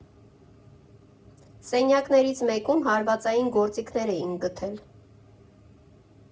Սենյակներից մեկում հարվածային գործիքներ էինք գտել։